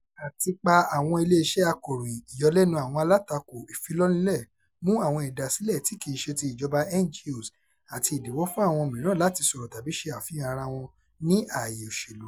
Àtìpa àwọn Ilé-iṣẹ́ Akọ̀ròyìn, ìyọlẹ́nu àwọn alátakò, ìfòfinlílẹ̀ mú àwọn ìdásílẹ̀ tí kì í ṣe ti ìjọba (NGOs) àti ìdiwọ́ fún àwọn mìíràn láti sọ̀rọ̀ tàbí ṣe àfihàn ara wọn ní ààyè òṣèlú.